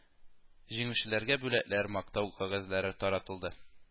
Җиңүчеләргә бүләкләр, мактау кәгазьләре таратылды